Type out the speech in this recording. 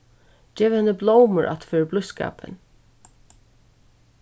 gev henni blómur afturfyri blíðskapin